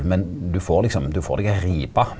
men du får liksom du får deg ei ripe.